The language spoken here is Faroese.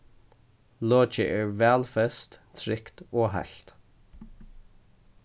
lokið er væl fest trygt og heilt